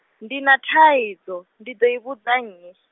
ndi na thaidzo, ndi ḓo i vhudza nnyi?